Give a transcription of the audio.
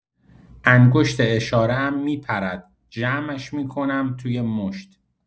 انگشت اشاره‌ام می‌پرد، جمعش می‌کنم توی مشت.